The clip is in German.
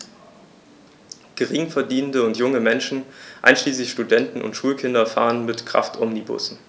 Geringverdienende und junge Menschen, einschließlich Studenten und Schulkinder, fahren mit Kraftomnibussen.